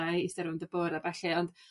a iste rownd y bwr' a ballu ond